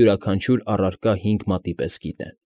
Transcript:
յուրաքանչյուր առարկա հինգ մատի պես գիտեն։